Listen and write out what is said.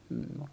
--